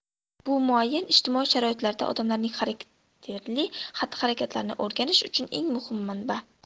bu muayyan ijtimoiy sharoitlarda odamlarning xarakterli xatti harakatlarini o'rganish uchun eng muhim manba